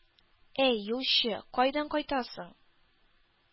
— әй, юлчы, кайдан кайтасың?